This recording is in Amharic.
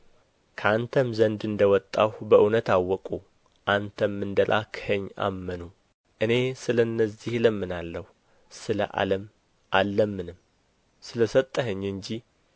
ከአንተም ዘንድ እንደ ወጣሁ በእውነት አወቁ አንተም እንደ ላክኸኝ አመኑ እኔ ስለ እነዚህ እለምናለሁ ስለ ዓለም አልለምንም ስለ ሰጠኸኝ እንጂ